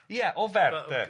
Ia ofer 'de.